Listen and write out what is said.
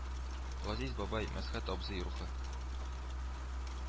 Газиз бабай, Мәсхәт абзый рухы